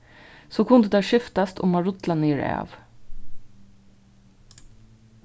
so kundu teir skiftast um at rulla niðurav